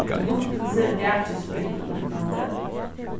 luktilsi og rakispritt og líknandi